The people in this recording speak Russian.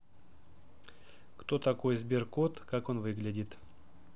кто такой сберкот как он выглядит